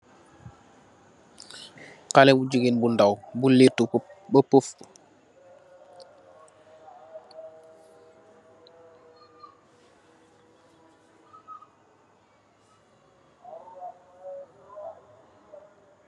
Xalé bu jigéen bu ndaw, bu leetu pëf